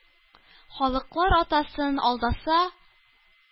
“халыклар атасы”н алдаса